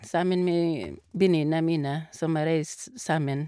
Sammen med vennene mine som jeg reist sammen.